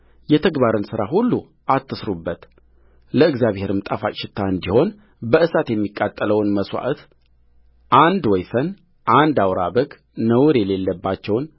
የተግባርን ሥራ ሁሉ አትሥሩበትለእግዚአብሔርም ጣፋጭ ሽታ እንዲሆን በእሳት የሚቃጠለውን መሥዋዕት አንድ ወይፈን አንድ አውራ በግ ነውር የሌለባቸውን